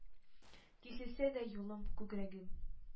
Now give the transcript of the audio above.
Киселсә дә юлым; күкрәгем